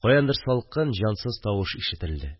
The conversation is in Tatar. Каяндыр салкын, җансыз тавыш ишетелде